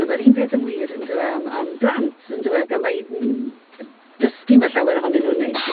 A ma'r un peth yn wir yndyw e am am blant yndyw e gan mai n- yy dysgu ma' llawer ohonyn nw'n wneud.